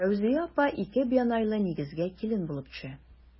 Фәүзия апа ике бианайлы нигезгә килен булып төшә.